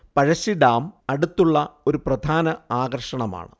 Pazhassi dam അടുത്തുള്ള ഒരു പ്രധാന ആകർഷണമാണ്